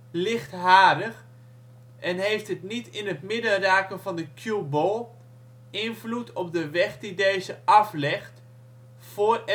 licht harig en heeft het niet in het midden raken van de cueball invloed op de weg die deze aflegt voor